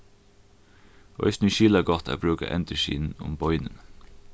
eisini er skilagott at brúka endurskin um beinini